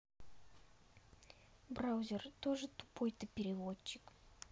браузер тоже тупой ты проводник